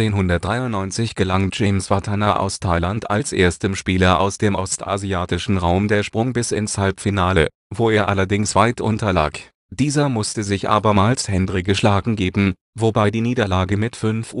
1993 gelang James Wattana aus Thailand als erstem Spieler aus dem ostasiatischen Raum der Sprung bis ins Halbfinale, wo er allerdings White unterlag. Dieser musste sich abermals Hendry geschlagen geben, wobei die Niederlage mit 5:18